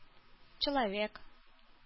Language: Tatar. Человек